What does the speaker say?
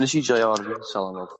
be neshi joio o'r youth salon odd